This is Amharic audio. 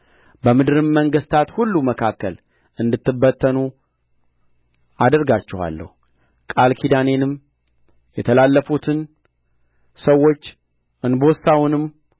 በምድርም መንግሥታት ሁሉ መካከል እንድትበተኑ አደርጋችኋለሁ ቃል ኪዳኔንም የተላለፉትን ሰዎች እንቦሳውንም